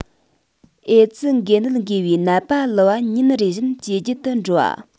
ཨེ ཙི འགོས ནད འགོས པའི ནད པ ལུ བ ཉིན རེ བཞིན ཇེ ལྗིད དུ འགྲོ བ